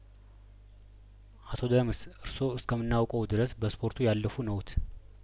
አቶ ደምስ እርስዎ እስከምናውቅዎ ድረስ በስፖርቱ ያለፉነዎት